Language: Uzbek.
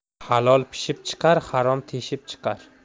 halol pishib chiqar harom teshib chiqar